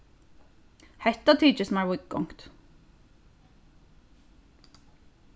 hetta tykist mær víðgongt